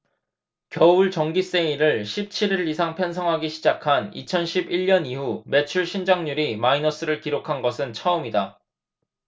겨울 정기세일을 십 칠 일 이상 편성하기 시작한 이천 십 일 년 이후 매출신장률이 마이너스를 기록한 것은 처음이다